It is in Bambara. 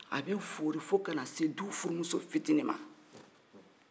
a bi fori fo kana se du furumuso fitinin ma